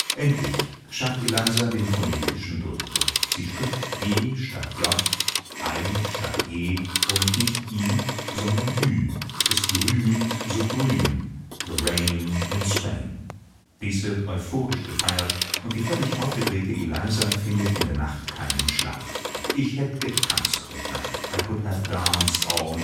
Endlich schafft Eliza den phonetischen Durchbruch: Sie spricht „ g “statt „ j “,„ ei “statt „ e “und nicht „ i “, sondern „ ü “(Es grünt so grün/The Rain in Spain). Dies wird euphorisch gefeiert und die völlig aufgedrehte Eliza findet in der Nacht keinen Schlaf (Ich hätt’ getanzt heut’ Nacht/I Could Have Danced All Night